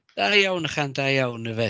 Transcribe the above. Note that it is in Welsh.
Da iawn ychan, da iawn, dyfe.